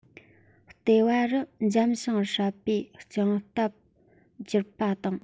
ལྟེ བ རུ འཇམ ཞིང སྲབ པའི གྱང ལྡེབས བསྐྱུར པ དང